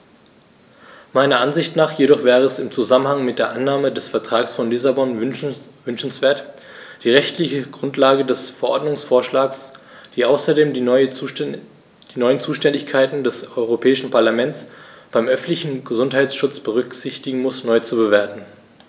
Meiner Ansicht nach jedoch wäre es im Zusammenhang mit der Annahme des Vertrags von Lissabon wünschenswert, die rechtliche Grundlage des Verordnungsvorschlags, die außerdem die neuen Zuständigkeiten des Europäischen Parlaments beim öffentlichen Gesundheitsschutz berücksichtigen muss, neu zu bewerten.